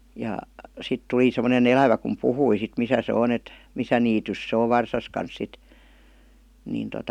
ja sitten tuli semmoinen elävä kun puhui sitten missä se on että missä niityssä se on varsansa kanssa sitten niin tuota